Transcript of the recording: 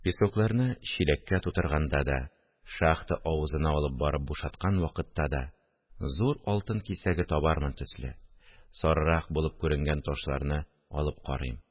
Песокларны чиләккә тутырганда да, шахта авызына алып барып бушаткан вакытта да, зур алтын кисәге табармын төсле, сарырак булып күренгән ташларны алып карыйм